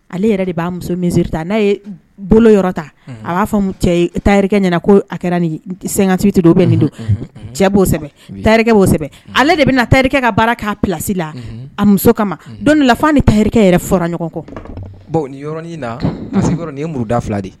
Ale yɛrɛ de b'a muso minsiriri ta n'a ye bolo yɔrɔ ta a b'a fɔ tarikɛ ɲɛna ko a kɛra ni sɛgɛkansi bɛ nin don cɛ'o kosɛbɛ ta'osɛbɛ ale de bɛ na tarikɛ ka baara k'a plasi la a muso kama don lafa ni tarikɛ yɛrɛ fɔra ɲɔgɔn kɔ bon niɔrɔn ye muruda fila de ye